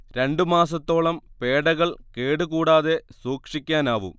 രണ്ടു മാസത്തോളം പേഡകൾ കേടു കൂടാതെ സൂക്ഷിക്കാനാവും